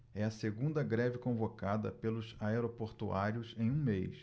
é a segunda greve convocada pelos aeroportuários em um mês